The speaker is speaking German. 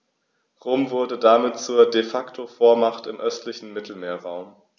Rom wurde damit zur ‚De-Facto-Vormacht‘ im östlichen Mittelmeerraum.